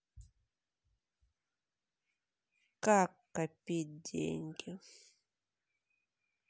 как копить деньги